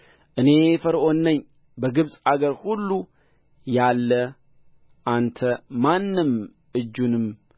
እኔ ፈርዖን ነኝ በግብፅ አገር ሁሉ ያለ አንተ ማንም እጁንም